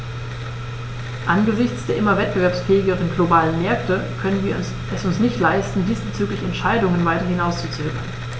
Angesichts der immer wettbewerbsfähigeren globalen Märkte können wir es uns nicht leisten, diesbezügliche Entscheidungen weiter hinauszuzögern.